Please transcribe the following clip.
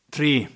Tri